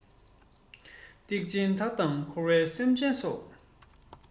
སྡིག ཆེན བདག དང འཁོར བའི སེམས ཅན སོགས